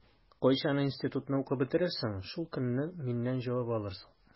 Кайчан институтны укып бетерерсең, шул көнне миннән җавап алырсың.